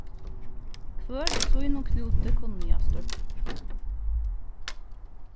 hvør er sínum knúti kunnigastur